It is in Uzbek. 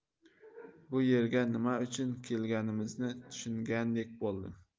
bu yerga nima uchun kelganimizni tushungandek bo'ldim